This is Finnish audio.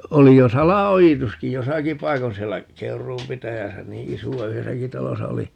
oli jo salaojituskin jossakin paikoin siellä Keuruun pitäjässä niin isoa yhdessäkin talossa oli